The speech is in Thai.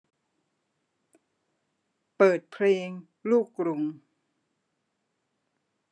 เปิดเพลงลูกกรุง